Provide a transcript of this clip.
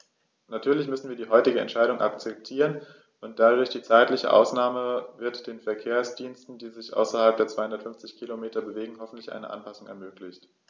Natürlich müssen wir die heutige Entscheidung akzeptieren, und durch die zeitliche Ausnahme wird den Verkehrsdiensten, die sich außerhalb der 250 Kilometer bewegen, hoffentlich eine Anpassung ermöglicht.